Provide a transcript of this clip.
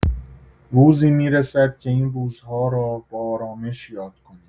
روزی می‌رسد که این روزها را با آرامش یاد کنیم.